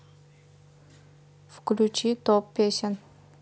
включи топ песен